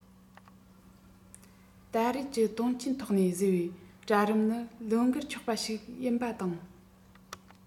ད རེས ཀྱི དོན རྐྱེན ཐོག ནས བཟོ པའི གྲལ རིམ ནི བློས འགེལ ཆོག པ ཞིག ཡིན པ དང